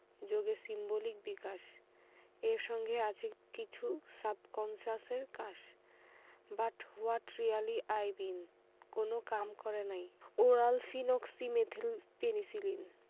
যোগে সিম্বলিক বিকাশ এর সঙ্গে আছে কিছু সাবকন্সাসের cause but what really I mean কোন কাম করে নাই ওরাল ফেনোক্সিমেথিল পেনিসিলিন